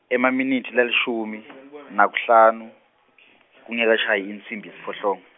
emaminitsi lalishumi , nakuhlanu , kungekashayi insimbi yesiphohlongo.